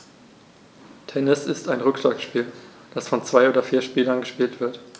Tennis ist ein Rückschlagspiel, das von zwei oder vier Spielern gespielt wird.